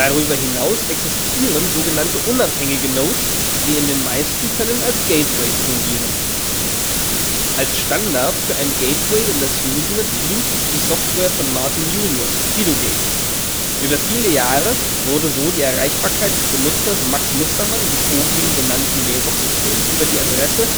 hinaus existieren so genannte unabhängige Nodes, die in den meisten Fällen als Gateways fungieren. Als Standard für ein Gateway in das Usenet dient die Software von Martin Junius, Fidogate. Über viele Jahre wurde so die Erreichbarkeit des Benutzers Max Mustermann des o.g. Mailbox-Systems über die Adresse